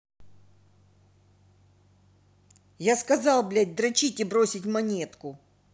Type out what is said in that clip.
я сказал блядь дрочить и подбрось монетку